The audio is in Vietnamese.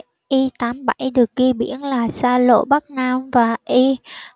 i tám mươi bảy được ghi biển là xa lộ bắc nam và i